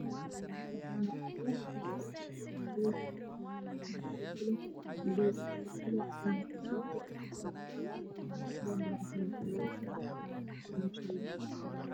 Waxaa inuu wada sako dumar ah oo midabkoodu yahay caddaan cagaar madow danbas iyo caddays